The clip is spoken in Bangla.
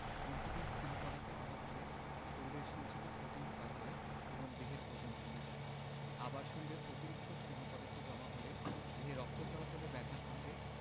দীর্ঘদিন স্নেহ পদার্থের অভাব হলে শরীরের সঞ্চিত প্রোটিন ক্ষয় হয় এবং দেহের ওজন কমে যায় আবার শরীরে অতিরিক্ত স্নেহ পদার্থ জমা হলে দেহে রক্ত চলাচলে ব্যাঘাত ঘটে